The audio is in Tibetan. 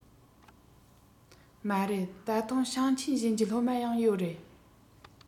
མ རེད ད དུང ཞིང ཆེན གཞན གྱི སློབ མ ཡང ཡོད རེད